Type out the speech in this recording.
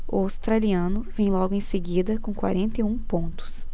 o australiano vem logo em seguida com quarenta e um pontos